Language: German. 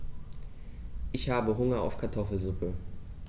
Ich habe Hunger auf Kartoffelsuppe.